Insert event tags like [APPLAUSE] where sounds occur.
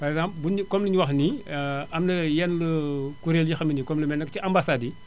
par exemple buñu nee comme ñu wax ni [HESITATION] am na yenn kuréel yi nga xam ne comme lu mel ni que ci ambassades yi